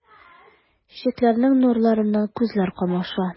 Чәчәкләрнең нурларыннан күзләр камаша.